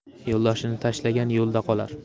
yo'ldoshini tashlagan yo'lda qolar